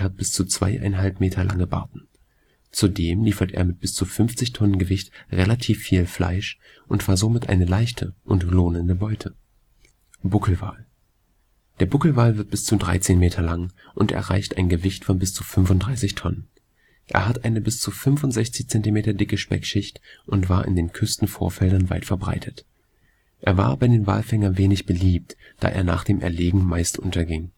bis zu zweieinhalb Meter lange Barten. Zudem liefert er mit bis zu 50 Tonnen Gewicht relativ viel Fleisch und war somit eine leichte und lohnende Beute. Buckelwal: Der Buckelwal wird bis zu 13 Meter lang und erreicht ein Gewicht von bis zu 35 Tonnen. Er hat eine bis zu 65 cm dicke Speckschicht und war in den Küstenvorfeldern weit verbreitet. Er war bei den Walfängern wenig beliebt, da er nach dem Erlegen meist unterging